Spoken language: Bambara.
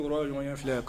Jɔn ye filɛ ye